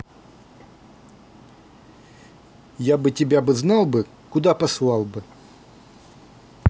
я бы тебя бы знал бы куда послал бы